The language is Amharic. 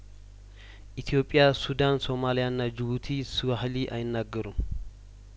ኢትዮጵያሱዳን ሶማሊያና ጅቡቲ ስዋሂሊ አይናገሩም